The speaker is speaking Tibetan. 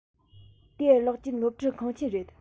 དེ གློག ཅན སློབ ཁྲིད ཁང ཆེན རེད